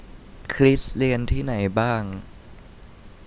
คริสเรียนที่ไหนบ้าง